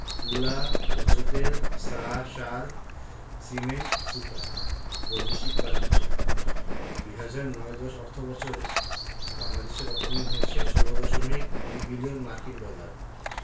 তুলা ভোজ্যতেল সার সিমেন্ট সুতা বৈদেশিক বাণিজ্যঃ ২০০৯ ১০ অর্থবছরে বাংলাদেশ রপ্তানি করেছে ১৬দশমিক ২ বিলিয়ন মার্কিন ডলার